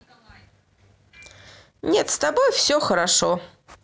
нет с тобой все хорошо